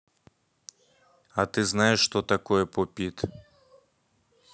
а ты знаешь что такое pop it